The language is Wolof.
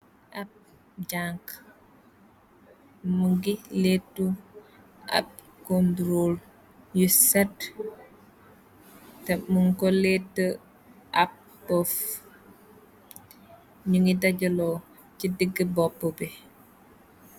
Ab jànq mungi leetu ab kondurow yu set, té mun ko leetu ab pof ñu ngi dajaloo ci digg boppu bi.